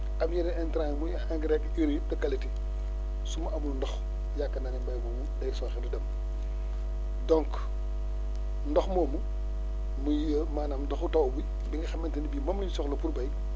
am yenn intrant yi bu ñu engrais urée de qualité su ma amul ndox yaakaar naa ne mbéy moomu day sooxedu dem donc ndox moomu muy maanaam ndoxu taw bi bi nga xamante ne bii moom la ñu soxla pour béy